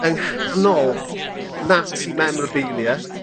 Yng nghanol Nazi memorabilia